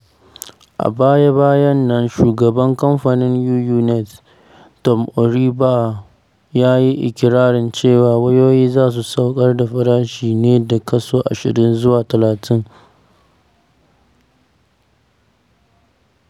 A baya-bayan nan Shugaban Kamfanin UUnet, Tom Omariba ya yi iƙirarin cewa, wayoyin za su saukar da farashi ne da kaso 20 zuwa 30.